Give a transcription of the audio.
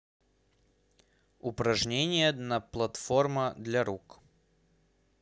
упражнения на платформа для рук